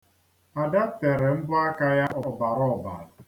Ada tere mbọ aka ya ọbara ọbara.